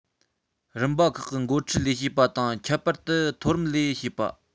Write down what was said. རིམ པ ཁག གི འགོ ཁྲིད ལས བྱེད པ དང ཁྱད པར དུ མཐོ རིམ ལས བྱེད པ